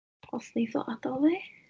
Os wneith o adael fi?